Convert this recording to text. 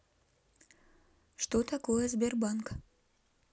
что такое сбербанк